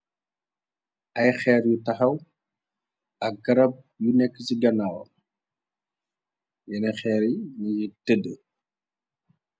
Ay xeer yu taxaw ak garab yu nekk ci ganaw yenen xeer yi ñi ngi tëdd.